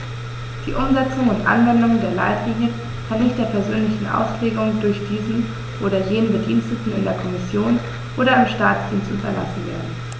Die Umsetzung und Anwendung der Leitlinien kann nicht der persönlichen Auslegung durch diesen oder jenen Bediensteten in der Kommission oder im Staatsdienst überlassen werden.